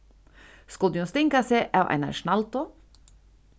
skuldi hon stinga seg av einari snældu